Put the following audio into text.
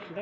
rek